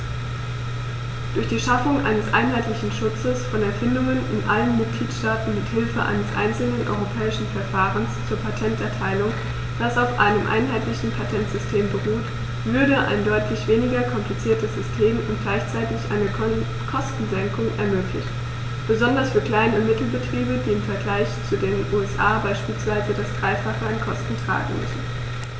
Durch die Schaffung eines einheitlichen Schutzes von Erfindungen in allen Mitgliedstaaten mit Hilfe eines einzelnen europäischen Verfahrens zur Patenterteilung, das auf einem einheitlichen Patentsystem beruht, würde ein deutlich weniger kompliziertes System und gleichzeitig eine Kostensenkung ermöglicht, besonders für Klein- und Mittelbetriebe, die im Vergleich zu den USA beispielsweise das dreifache an Kosten tragen müssen.